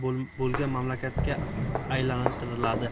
ega bo'lgan mamlakatga aylantiradi